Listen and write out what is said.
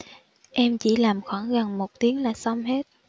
em chỉ làm khoảng gần một tiếng là xong hết